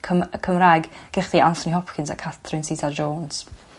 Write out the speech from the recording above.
Cym- yy Cymraeg. Ge' thi Anthony Hopkins a Catherine Zeta Jones